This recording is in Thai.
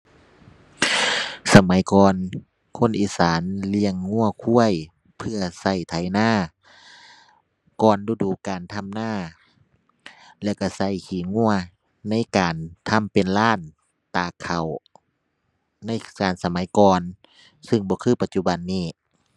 สมัยก่อนคนอีสานเลี้ยงวัวควายเพื่อวัวไถนาก่อนฤดูกาลทำนา แล้ววัววัวขี้วัวในการทำเป็นลานตากข้าว ในสะ สมัยก่อน ซึ่งบ่คือปัจจุบันนี้